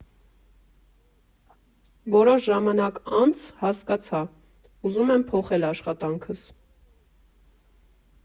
Որոշ ժամանակ անց հասկացա՝ ուզում եմ փոխել աշխատանքս։